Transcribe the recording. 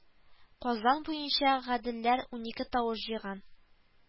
Казан буенча гаделләр унике тавыш җыйган